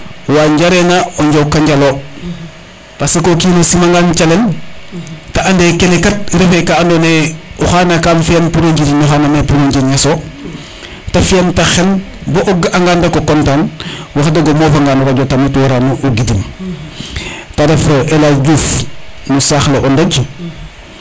wa njarena o njokonjal parce que o kiin o sima ngan calel te ande kene kat refe ka ando naye o xana kam fiyan pour jiriñ oxa nado naye pour o o njirñeso te fiyan te xen bo o ga'a ngan rek o content wax deg o mofa nga no radio le tamit warano o gidim te ref El hadji Diouf no saax le o NDodj